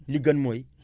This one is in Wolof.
li gën mooy